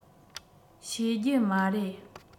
ཤེས རྒྱུ མ རེད